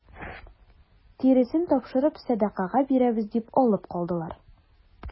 Тиресен тапшырып сәдакага бирәбез дип алып калдылар.